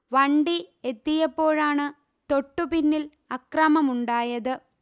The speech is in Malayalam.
വണ്ടി എത്തിയപ്പോഴാണ് തൊട്ടുപിന്നിൽ അക്രമമുണ്ടായത്